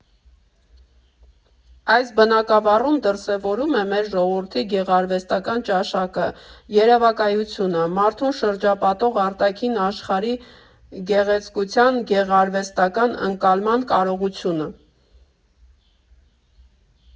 Այս բնագավառում դրսևորվում է մեր ժողովրդի գեղարվեստական ճաշակը, երևակայությունը, մարդուն շրջապատող արտաքին աշխարհի գեղեցկության գեղագիտական ընկալման կարողությունը։